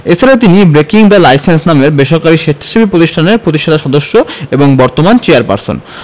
এ ছাড়া তিনি Breaking the Silence নামের বেসরকারি স্বেচ্ছাসেবী প্রতিষ্ঠানের প্রতিষ্ঠাতা সদস্য এবং বর্তমান চেয়ারপারসন